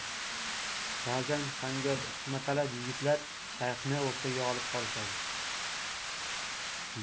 bazan hangomatalab yigitlar shayxni o'rtaga olib qolishadi